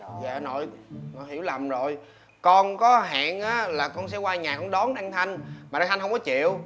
dạ nội nội hiểu lầm rồi con có hẹn á là con sẽ qua nhà con đón đan thanh mà đan thanh hông có chịu